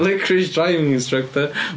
Licorice driving instructor.